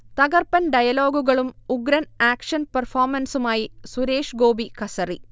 തകർപ്പൻ ഡയലോഗുകളും ഉഗ്രൻ ആക്ഷൻ പെർഫോമൻസുമായി സുരേഷ്ഗോപി കസറി